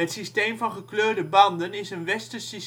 systeem van gekleurde banden is een westers